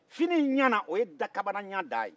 fini in ɲɛna o kabana ɲɛ dan ye